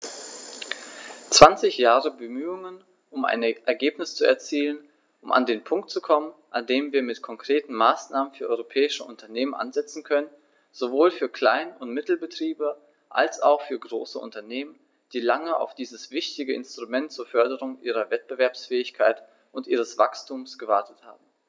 Zwanzig Jahre Bemühungen, um ein Ergebnis zu erzielen, um an den Punkt zu kommen, an dem wir mit konkreten Maßnahmen für europäische Unternehmen ansetzen können, sowohl für Klein- und Mittelbetriebe als auch für große Unternehmen, die lange auf dieses wichtige Instrument zur Förderung ihrer Wettbewerbsfähigkeit und ihres Wachstums gewartet haben.